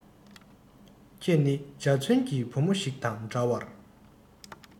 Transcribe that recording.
ཁྱེད ནི འཇའ ཚོན གྱི བུ མོ ཞིག དང འདྲ བར